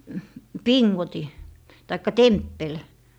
pingotin tai temppeli